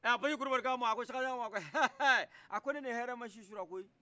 ɛɛ basi kulubali ko a ma a ko saɲagamu haha a ko ne ni hɛrɛ ma si surɔ koyi